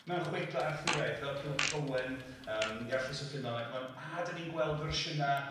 mewn chwedlau Arthuraidd fel Culwch ag Olwen yym Iarlles y Ffynnon ac ma'n a 'dan ni'n gweld fersiyna